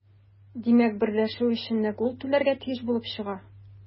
Димәк, берләшү өчен нәкъ ул түләргә тиеш булып чыга.